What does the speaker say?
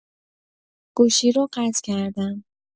گوشی رو قطع کردم.